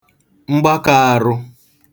mgbakā ārụ̄